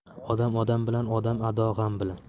odam odam bilan odam ado g'am bilan